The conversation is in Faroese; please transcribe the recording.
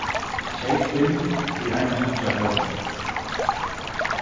keyp fimm fyri einans hundrað krónur